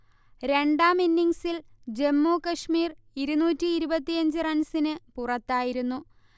രണ്ടാം ഇന്നിങ്സിൽ ജമ്മു കശ്മീർ ഇരുന്നൂറ്റി ഇരുപത്തിയഞ്ചു റൺസിന് പുറത്തായിരുന്നു